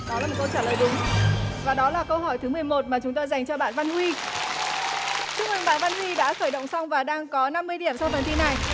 đó là một câu trả lời đúng và đó là câu hỏi thứ mười một mà chúng tôi dành cho bạn văn huy chúc mừng bạn văn huy đã khởi động xong và đang có năm mươi điểm sau phần